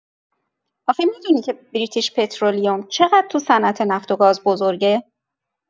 آخه می‌دونی که بریتیش‌پترولیوم چقدر تو صنعت‌نفت و گاز بزرگه؟